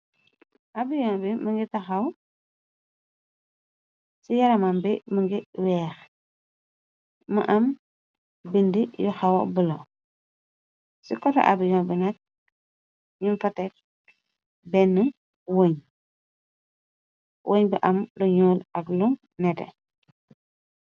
Abion bi më ngi taxaw ci yaramam bi më ngi weex ma am bindi yu xawa bulo ci kota avion bi nek ñu fatek benn woñ woñ bi am lu ñuul ak lu nete.